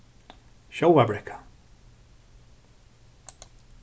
sjóvarbrekka